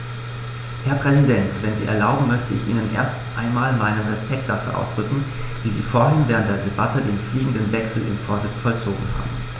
Herr Präsident, wenn Sie erlauben, möchte ich Ihnen erst einmal meinen Respekt dafür ausdrücken, wie Sie vorhin während der Debatte den fliegenden Wechsel im Vorsitz vollzogen haben.